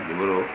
numéro o